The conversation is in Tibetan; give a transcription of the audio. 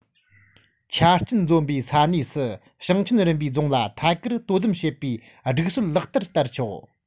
ཆ རྐྱེན འཛོམས པའི ས གནས སུ ཞིང ཆེན རིམ པས རྫོང ལ ཐད ཀར དོ དམ བྱེད པའི སྒྲིག སྲོལ ལག ལེན བསྟར ཆོག